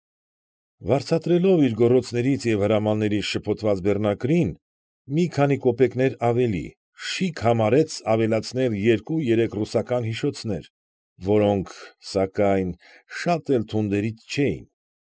Վարձատրելով իր գոռոցներից և հրամաններից շփոթված բեռնակրին մի քանի կոպեկներ ավելի, շիկ համարեց ավելացնել երկու֊երեք ռուսական հիշոցներ, որոնք, սակայն, շատ էլ թունդերից չէին։